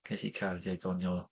Ges i cardiau doniol.